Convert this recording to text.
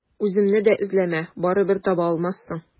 Үземне дә эзләмә, барыбер таба алмассың.